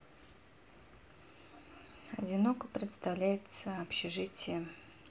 одиноко представляется общежитие